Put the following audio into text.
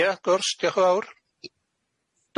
Ie wrth diolch y' fawr.